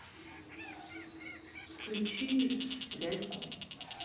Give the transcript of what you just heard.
включить ляльку